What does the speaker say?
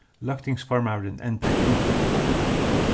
løgtingsformaðurin endaði tingfundin